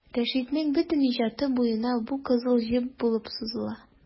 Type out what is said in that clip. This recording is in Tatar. Рәшитнең бөтен иҗаты буена бу кызыл җеп булып сузыла.